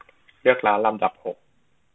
เลือกร้านลำดับหก